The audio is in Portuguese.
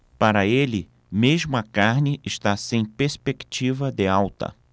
para ele mesmo a carne está sem perspectiva de alta